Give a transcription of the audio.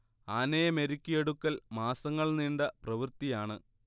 ആനയെ മെരുക്കിയെടുക്കൽ മാസങ്ങൾ നീണ്ട പ്രവൃത്തിയാണ്